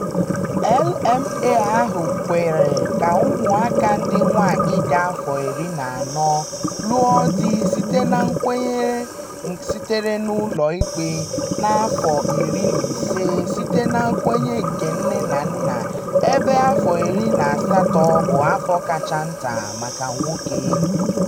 LMA ahụ kwere ka ụmụaka ndị nwaanyị dị afọ 14 lụọ di site na nkwenye sitere n'ụlọ ikpe ma n'afọ 15 site na nkwenye nke nne na nna ebe afọ 18 bụ afọ kacha nta maka nwoke.